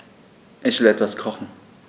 Ich will etwas kochen.